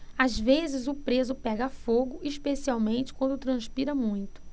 às vezes o preso pega fogo especialmente quando transpira muito